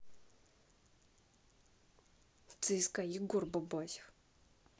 цска егор бабасев